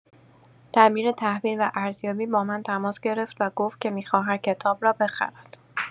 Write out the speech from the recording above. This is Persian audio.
دبیر تحویل و ارزیابی، با من تماس گرفت و گفت که می‌خواهد کتاب را بخرد.